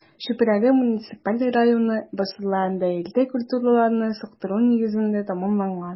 Чүпрәле муниципаль районы басуларында иртә культураларны суктыру нигездә тәмамланган.